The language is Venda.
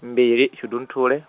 mbili shundunthule.